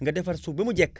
nga defar suuf ba mu jekk